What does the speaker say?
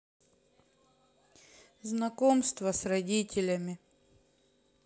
знакомство с родителями